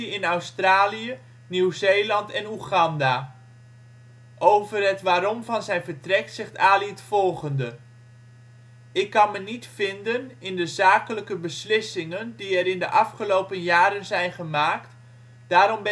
in Australië, Nieuw-Zeeland en Oeganda. Over het waarom van zijn vertrek zegt Ali het volgende: " Ik kan me niet vinden in de zakelijke beslissingen die er in de afgelopen jaren zijn gemaakt, daarom